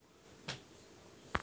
написано что аккаунт привязан